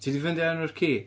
Ti 'di ffeindio enw'r ci?